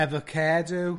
Avocado.